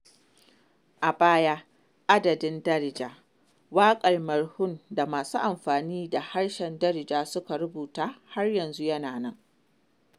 A baya, adabin Darija, waƙar Malhoun da masu amfani da harshen Darija suka rubuta har yanzu yana nan.